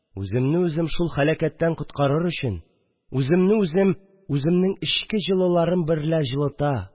Үземне үзем шул һәлакәттән коткарыр өчен, үземне үзем үземнең эчке җылыларым берлә җылыта